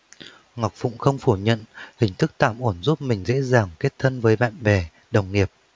ngọc phụng không phủ nhận hình thức tạm ổn giúp mình dễ dàng kết thân với bạn bè đồng nghiệp